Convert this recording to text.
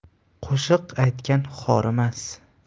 qo'shiq aytgan horimas